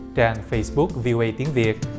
trang phây búc vi ô ây tiếng việt